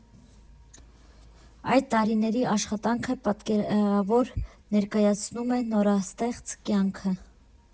Այդ տարիների աշխատանքը պատկերավոր ներկայացնում է նորաստեղծ կայքը։